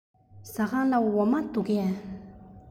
ཟ ཁང ལ འོ མ འདུག གས